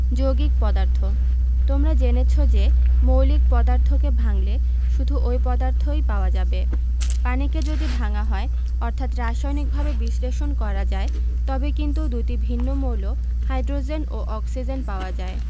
যৌগিক পদার্থ তোমরা জেনেছ যে মৌলিক পদার্থকে ভাঙলে শুধু ঐ পদার্থই পাওয়া যাবে পানিকে যদি ভাঙা হয় অর্থাৎ রাসায়নিকভাবে বিশ্লেষণ করা যায় তবে কিন্তু দুটি ভিন্ন মৌল হাইড্রোজেন ও অক্সিজেন পাওয়া যায়